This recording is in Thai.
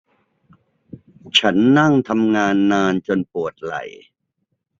ฉันนั่งทำงานนานจนปวดไหล่